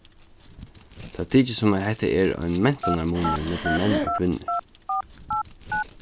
tað tykist sum at hetta er ein mentanarmunur millum menn og kvinnur